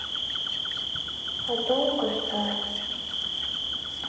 а долго ждать